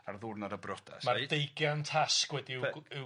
Ar ddwrnod y brodas reit? Ma'r deugian tasg wedi i'w gw- i'w...